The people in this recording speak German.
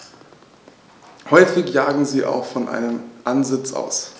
Häufig jagen sie auch von einem Ansitz aus.